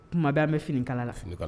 Kuma bɛɛ an bɛ fini kala la, finikala